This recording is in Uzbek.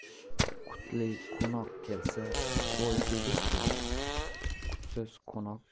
qutli qo'noq kelsa qo'y egiz tug'ar